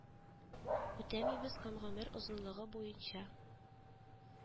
Үтәмибез һәм гомер озынлыгы буенча